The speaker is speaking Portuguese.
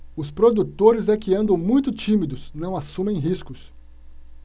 os produtores é que andam muito tímidos não assumem riscos